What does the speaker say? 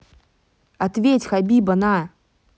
ответь хабиба на